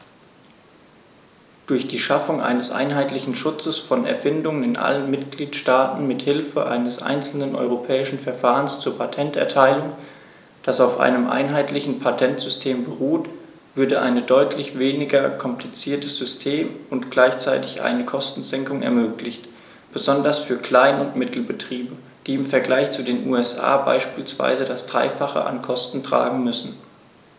Durch die Schaffung eines einheitlichen Schutzes von Erfindungen in allen Mitgliedstaaten mit Hilfe eines einzelnen europäischen Verfahrens zur Patenterteilung, das auf einem einheitlichen Patentsystem beruht, würde ein deutlich weniger kompliziertes System und gleichzeitig eine Kostensenkung ermöglicht, besonders für Klein- und Mittelbetriebe, die im Vergleich zu den USA beispielsweise das dreifache an Kosten tragen müssen.